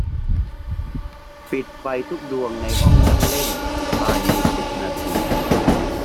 ปิดไฟทุกดวงในห้องนั่งเล่นภายในสิบนาที